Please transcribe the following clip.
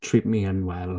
Treat me unwell.